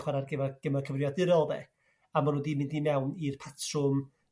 i chwara' ar gyfer gema' cyfrifiadurol 'de, am bo' nhw wedi mynd i mewn i'r patrwm,